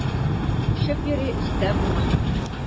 Очып йөри өстә болыт.